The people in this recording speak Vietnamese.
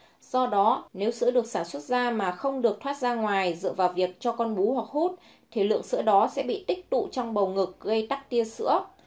do đó nếu sữa được sản xuất ra mà không được thoát ra ngoài dựa vào việc cho con bú hoặc hút thì lượng sữa đó sẽ bị tích tụ lại trong bầu ngực gây ra tắc sữa